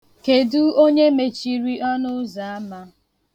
Kedụ onye mechiri ọnụzaama?